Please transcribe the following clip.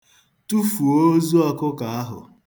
Tụfuo ozu ọkụkọ ahụ.